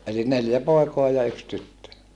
eli neljä poikaa ja yksi tyttö